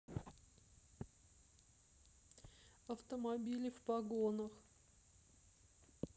автомобили в погонах